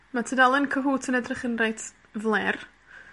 Ma' tudalen Cahoot yn edrych reit fler.